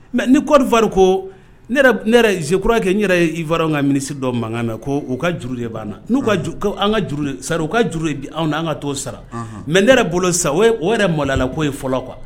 Mɛ ni kɔfari ko ne senekura kɛ n yɛrɛ ye ifaraw ka mini dɔ mankan mɛn ko u ka juru de banna n'u ka ka juru sari u ka juru anw an ka to sara mɛ ne yɛrɛ bolo sa o o yɛrɛ malola la'o ye fɔlɔ kuwa